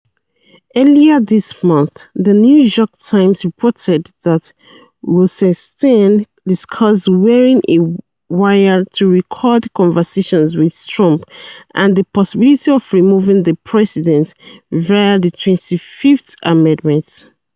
Earlier this month, the New York Times reported that Rosenstein discussed wearing a wire to record conversations with Trump and the possibility of removing the president via the 25th amendment.